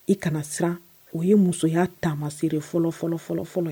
I kana siran o ye musoya taama siri fɔlɔ fɔlɔ fɔlɔ fɔlɔ